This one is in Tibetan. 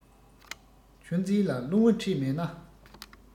ཆུ འཛིན ལ རླུང བུ འཕྲད མེད ན